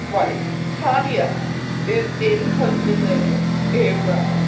Right, Tanya is in her villain era.